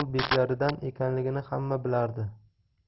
mo'g'ul beklaridan ekanligini hamma bilardi